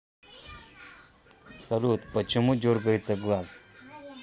салют почему дергается глаз